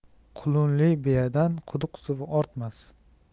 qulunli biyadan quduq suvi ortmas